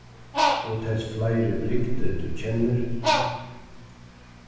og tess fleiri brigdi tú kennir